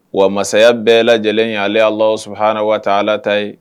Wa masaya bɛɛ lajɛlen ye ale la su hra waa ala ta ye